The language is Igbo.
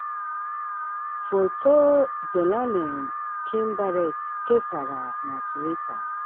Foto Zelalem Kiberet kesara na Twitter.